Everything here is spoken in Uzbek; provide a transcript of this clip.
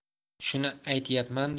shuni aytyapmanda